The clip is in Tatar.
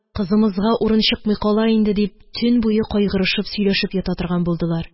Кызымызга урын чыкмый кала инде дип, төн буе кайгырышып сөйләшеп ята торган булдылар.